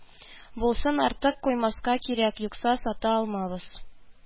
Булсын, артык куймаска кирәк, юкса сата алмабыз